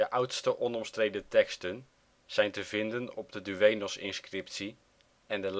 oudste onomstreden teksten zijn te vinden op de Duenos-inscriptie en de